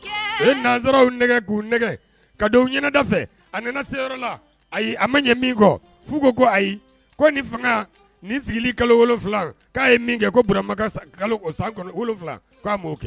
A ye nanzraw ka ɲɛnada a seyɔrɔ la ayi a ma ɲɛ min kɔ fu ko ko ayi ko ni fanga ni sigi kalofila k'a ye min kɛ kourama san wolonwula k'a'o kɛ